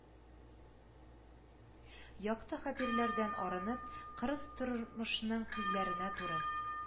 Якты хатирәләрдән арынып, кырыс тормышның күзләренә туры